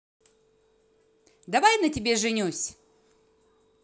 давай на тебе женюсь